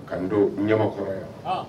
Ka ni don ɲamakɔrɔ yan; Han